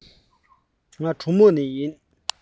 ང གྲོ མོ ནས ཡིན